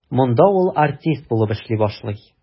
Монда ул артист булып эшли башлый.